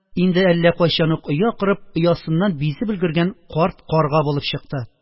Инде әллә кайчан оя корып, оясыннан бизеп өлгергән карт карга булып чыкты.